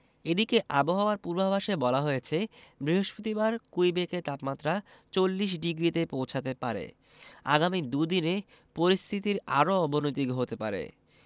এদিকে আবহাওয়ার পূর্বাভাসে বলা হয়েছে বৃহস্পতিবার কুইবেকে তাপমাত্রা ৪০ ডিগ্রিতে পৌঁছাতে পারে আগামী দু'দিনে পরিস্থিতির আরও অবনতি হতে পারে